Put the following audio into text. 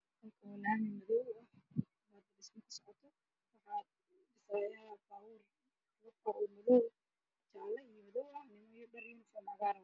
Waa lami waxaa maraayo cagaf cagaf midabkeedu yahay jaalo